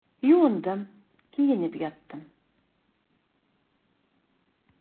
Юындым, киенеп яттым.